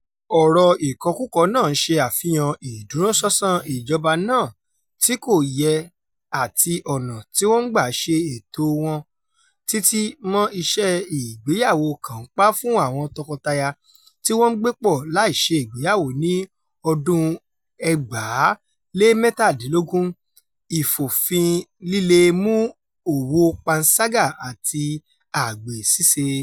"Ọ̀rọ̀ ìkọkúkọ" náà ń ṣe àfihàn ìdúróṣánṣán ìjọba náà tí kò yẹ̀ àti ọ̀nà tí wọ́n ń gbà ṣe ẹ̀tọ́ọ wọn, títí mọ́ ṣíṣe ìgbéyàwó kànńpá fún àwọn tọkọtaya tí wọ́n ń gbépọ̀ láìṣe ìgbéyàwó ní 2017, ìfòfinlíle mú òwòo panṣágà àti agbe ṣíṣe.